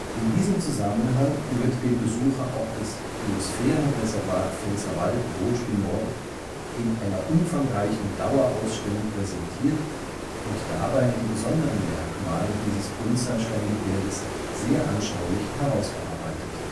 In diesem Zusammenhang wird dem Besucher auch das Biosphärenreservat Pfälzerwald-Vosges du Nord in einer umfangreichen Dauerausstellung präsentiert und dabei die besonderen Merkmale dieses Buntsandsteingebirges sehr anschaulich herausgearbeitet